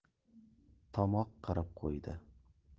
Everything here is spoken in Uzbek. tomoq qirib qo'ydi